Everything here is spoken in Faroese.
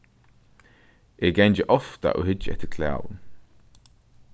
eg gangi ofta og hyggi eftir klæðum